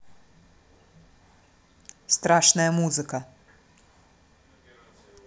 страшная музыка